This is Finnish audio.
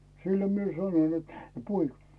silloin minä sanoin että poika